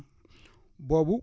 boobu